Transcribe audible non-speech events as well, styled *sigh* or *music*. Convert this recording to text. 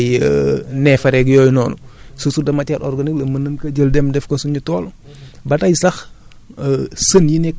bu ma ko nettoyer ba mu set li fay jugee ci ay *hesitation* neefereeg yooyu noonu source de matière organique la mën nañu ko jël dem def ko suñu tool